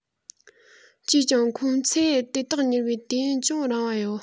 ཅིས ཀྱང ཁོང ཚོས དེ དག གཉེར བའི དུས ཡུན ཅུང རིང བ ཡོད